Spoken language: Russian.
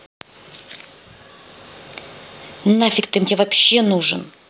нафиг ты мне вообще нужен